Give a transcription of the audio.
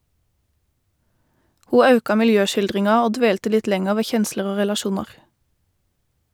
Ho auka miljøskildringa og dvelte litt lenger ved kjensler og relasjonar.